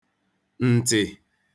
ǹtị̀